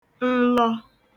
nlọ